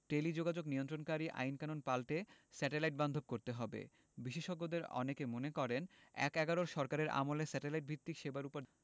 টেলিযোগাযোগ নিয়ন্ত্রণকারী আইনকানুন পাল্টে স্যাটেলাইট বান্ধব করতে হবে বিশেষজ্ঞদের অনেকে মনে করেন এক–এগারোর সরকারের আমলে স্যাটেলাইট ভিত্তিক সেবার ওপর